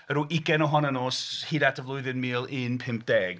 Ryw ugain ohonyn nhw s- hyd at o flwyddyn mil un pump deg.